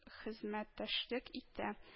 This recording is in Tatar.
Хезмәттәшлек итә